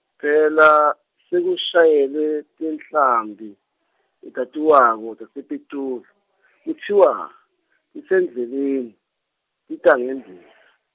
phela, sekushayelwe tinhlambi , letatiwako tasePitoli, kutsiwa tisendleleni, tita ngendiza.